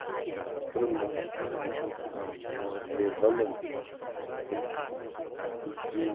bir minsang ham